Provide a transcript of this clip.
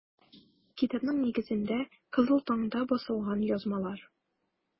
Китапның нигезендә - “Кызыл таң”да басылган язмалар.